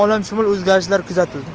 olamshumul o'zgarishlar kuzatildi